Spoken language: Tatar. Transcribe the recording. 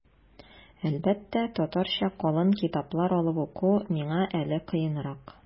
Әлбәттә, татарча калын китаплар алып уку миңа әле кыенрак.